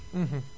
%hu_m